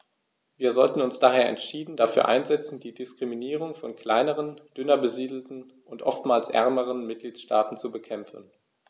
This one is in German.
Wir sollten uns daher entschieden dafür einsetzen, die Diskriminierung von kleineren, dünner besiedelten und oftmals ärmeren Mitgliedstaaten zu bekämpfen.